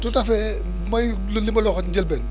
tout à fait mooy li li ma la waxoon njëlbeen